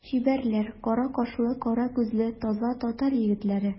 Чибәрләр, кара кашлы, кара күзле таза татар егетләре.